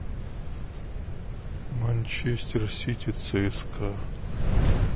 манчестер сити цска